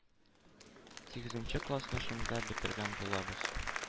Сигезенче классны шунда бетергән булабыз.